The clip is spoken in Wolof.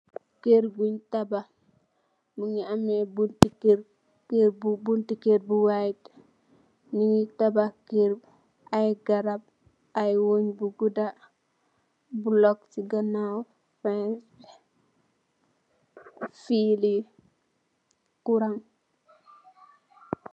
Kér buñg tabax mu ngi am bunti kér bu waayit. Ñu ngi tabax, kér, ay garab, ay wéng bu gudda, bulook si si ganaaw, fiili kura.